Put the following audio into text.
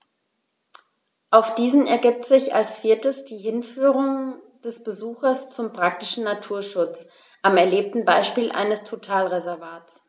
Aus diesen ergibt sich als viertes die Hinführung des Besuchers zum praktischen Naturschutz am erlebten Beispiel eines Totalreservats.